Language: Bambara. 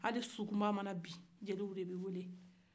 sukunba ma na bin jeliw de tun bɛ wele